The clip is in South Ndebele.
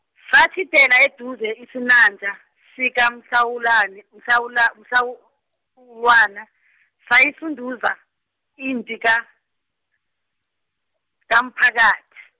satjhidela eduze isinanja, sikaMhlawulani- -Mhlawula- -Mhlawulwana sayisunduza, ipi ka-, komphakathi.